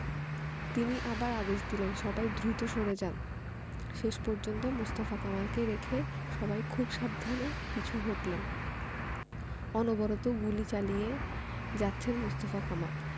তিনি আবার আদেশ দিলেন সবাই দ্রুত সরে যান শেষ পর্যন্ত মোস্তফা কামালকে রেখে সবাই খুব সাবধানে পিছু হটলেন অনবরত গুলি চালিয়ে যাচ্ছেন মোস্তফা কামাল